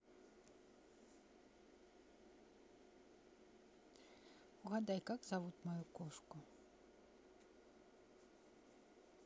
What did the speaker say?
угадай как зовут мою кошку